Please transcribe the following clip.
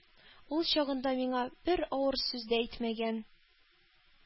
Ул чагында миңа бер авыр сүз дә әйтмәгән...